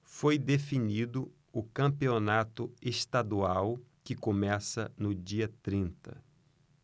foi definido o campeonato estadual que começa no dia trinta